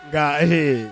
Nka ee